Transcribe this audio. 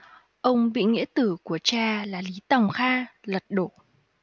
ông bị nghĩa tử của cha là lý tòng kha lật đổ